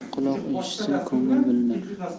quloq eshitsa ko'ngil bilinar